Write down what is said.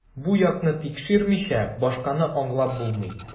Бу якны тикшермичә, башканы аңлап булмый.